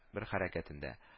Бер хәрәкәтендә